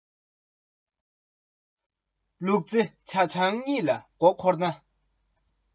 ཡུལ སྡེ ཁྲག ལྟར འཁྲུག པ མི ཤེས སོ